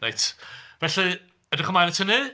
Reit, felly edrych ymlaen at hynny.